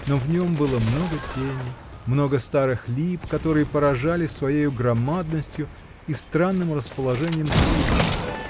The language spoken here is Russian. но в нем было много тени, много старых лип, которые поражали своею громадностью и странным расположением сучьев